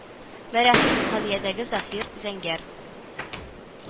Мәрәһим, Галия дәге Заһир, Зәңгәр